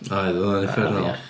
Oedd o'n uffernol... a afiach.